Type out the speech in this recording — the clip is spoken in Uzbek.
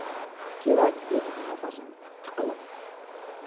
kerak dedim nafasim tiqilib